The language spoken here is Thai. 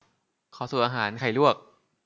ขอสูตรอาหารไข่ลวก